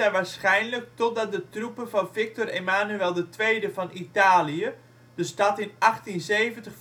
waarschijnlijk totdat de troepen van Victor Emanuel II van Italië de stad in 1870 veroverden